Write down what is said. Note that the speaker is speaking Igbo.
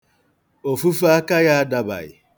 Ofufe aka ya adabaghị.